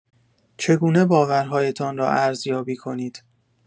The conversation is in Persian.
چگونه باورهایتان را ارزیابی کنید